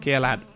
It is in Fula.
keelaɗo